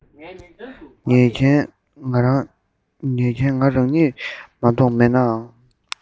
ཉན མཁན ང རང ཉིད མ གཏོགས མེད ནའང